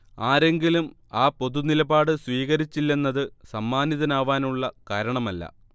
ആരെങ്കിലും ആ പൊതുനിലപാട് സ്വീകരിച്ചില്ലെന്നത് സമ്മാനിതനാവാനുള്ള കാരണമല്ല